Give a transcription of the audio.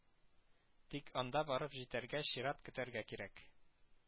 Тик анда барып җитәргә, чират көтәргә кирәк